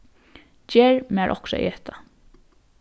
ger mær okkurt at eta